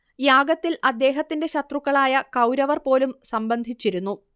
യാഗത്തിൽ അദ്ദേഹത്തിന്റെ ശത്രുക്കളായ കൗരവർ പോലും സംബന്ധിച്ചിരുന്നു